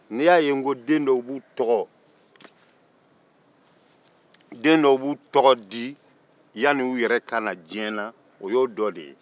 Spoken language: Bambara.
n'i y'a ye n ko ko den dɔw b'u dɔgɔ di yanni u yɛrɛ kana diɲɛ na o y'o dɔ de ye